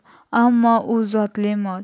ammo o'zi zotli mol